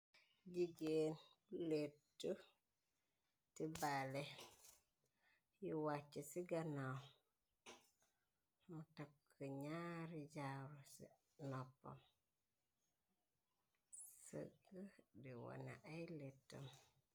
Jigéen bu lett ti balle yi wàcc ci gannaw mu takk ñaari jaaru ci noppam sëgg di wone ay lettam.